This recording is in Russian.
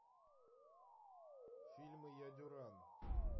фильмы я дюран